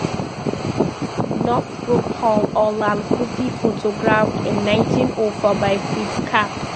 Northbrook Hall or Lal Kuthi – photographed in 1904 by Fritz Kapp.